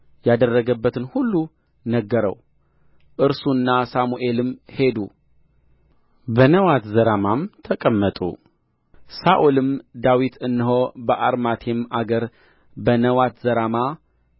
ያደረገበትን ሁሉ ነገረው እርሱና ሳሙኤልም ሄዱ በነዋትዘራማም ተቀመጡ ሳኦልም ዳዊት እነሆ በአርማቴም አገር በነዋትዘራማ